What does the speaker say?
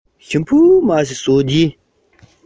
རང སེམས ཧ ཅང དགའ ནས